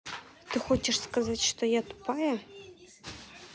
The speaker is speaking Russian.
ты хочешь сказать что я тупая